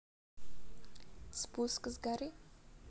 спуск с горы